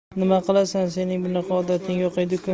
nima qilasan sening bunaqa odating yo'q edi ku